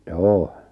joo